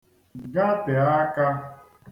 gatè akā